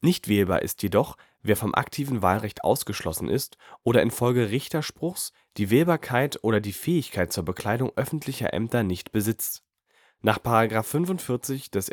Nicht wählbar ist jedoch, wer vom aktiven Wahlrecht ausgeschlossen ist oder infolge Richterspruchs die Wählbarkeit oder die Fähigkeit zur Bekleidung öffentlicher Ämter nicht besitzt. Nach § 45 des